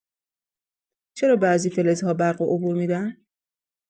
چرا بعضی فلزها برقو عبور می‌دن؟